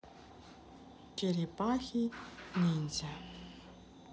черепахи ниндзя